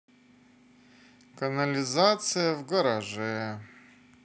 канализация в гараже